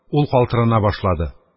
Ул калтырана башлады.